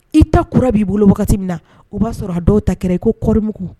I ta kura b'i bolo wagati min na o b'a sɔrɔ a dɔw ta kɛra i ko kɔrɔɔrim